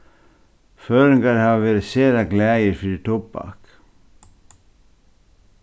føroyingar hava verið sera glaðir fyri tubbak